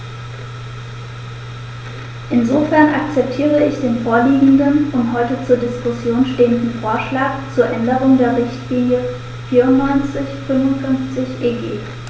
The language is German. Insofern akzeptiere ich den vorliegenden und heute zur Diskussion stehenden Vorschlag zur Änderung der Richtlinie 94/55/EG.